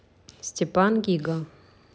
степан гига